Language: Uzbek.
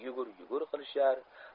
yugur yugur qilishar